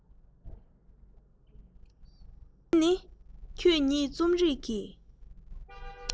དེ ནི ཁྱོད ཉིད རྩོམ རིག གི